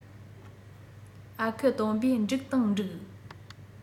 ཨ ཁུ སྟོན པས འགྲིག དང འགྲིག